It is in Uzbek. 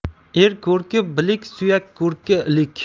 er ko'rki bilik suyak ko'rki ilik